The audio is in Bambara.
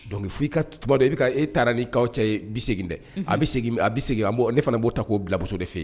Don f i ka tu dɔn i bɛ e taara n nikaw cɛ ye bɛ segin dɛ bɛ ne fana b'o ta k'o bilamuso de fɛ yen